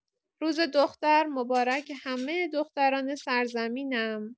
روز دختر مبارک همه دختران سرزمینم!